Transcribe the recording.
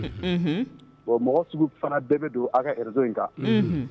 Mɔgɔ sugu fana bɛɛ bɛ don a ka z in kan